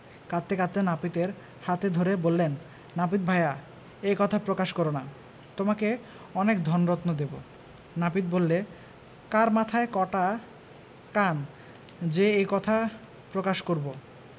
কাঁদতে কাঁদতে নাপিতের হাতে ধরে বললেন নাপিত ভায়া এ কথা প্রকাশ কর না তোমাকে অনেক ধনরত্ন দেব নাপিত বললে কার মাথায় কটা কান যে এ কথা প্রকাশ করব